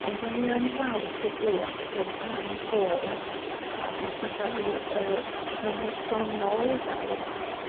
ond o'n i yn falch o glwad bod pan fo a petha fel yr amhersonol, fel